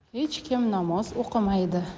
hech kim namoz o'qimaydi